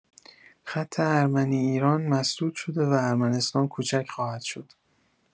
خط ارمنی - ایران، مسدود شده و ارمنستان کوچک خواهد شد.